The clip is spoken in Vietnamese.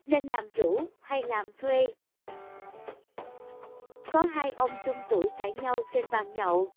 nên làm chủ hay làm thuê có ông trung tuổi cãi nhau trên bàn nhậu